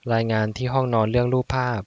รายงานที่ห้องนอนเรื่องรูปภาพ